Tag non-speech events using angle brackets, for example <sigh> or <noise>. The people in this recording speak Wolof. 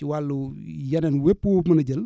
ci wàllu <hesitation> yeneen wépp woo mën a jël